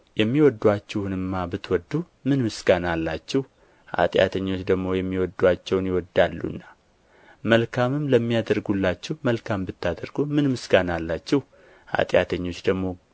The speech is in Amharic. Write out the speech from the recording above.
የሚወዱአችሁንማ ብትወዱ ምን ምስጋና አላችሁ ኃጢአተኞች ደግሞ የሚወዱአቸውን ይወዳሉና መልካምም ለሚያደርጉላችሁ መልካም ብታደርጉ ምን ምስጋና አላችሁ ኃጢአተኞች ደግሞ